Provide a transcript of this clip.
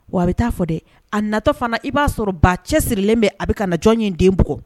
Wa a bɛ taa fɔ dɛ a natɔ fana i b'a sɔrɔ ba cɛ sirilen bɛ a bɛ ka na jɔn in denug